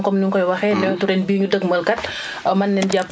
ba wala prévisions yi ñu jëm si situation comme ni nga koy waxee